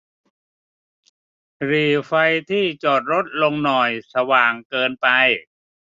หรี่ไฟที่จอดรถลงหน่อยสว่างเกินไป